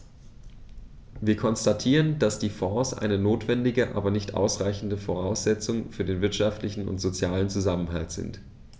Wir konstatieren, dass die Fonds eine notwendige, aber nicht ausreichende Voraussetzung für den wirtschaftlichen und sozialen Zusammenhalt sind.